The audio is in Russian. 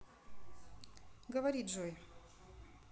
говори джой